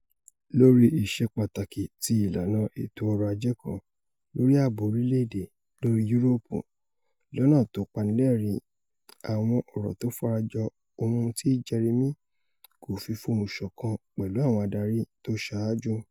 Lórí ìṣepàtàkì ti ìlànà ètò ọ̀rọ̀ ajé kan, lórí ààbò orílẹ̀-èdè, lórí Yuroopu, lọ́nà tó panilẹ́ẹ̀rín àwọm ọ̀rọ̀ tó farajọ ohun tí Jeremy kòfi fohùnṣọ̀kan pẹ̀lú àwọn adarí tó saáju.